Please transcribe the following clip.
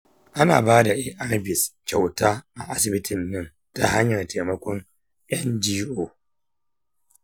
ana bada arvs kyauta a asibitin nan ta hanyar taimakon ngo.